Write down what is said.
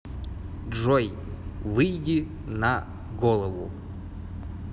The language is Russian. джой выйди на голову